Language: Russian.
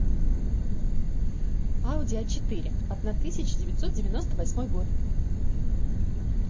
audi a четыре одна тысяча девятьсот девяносто восьмой год